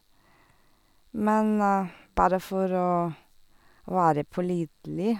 Men bare for å være pålitelig.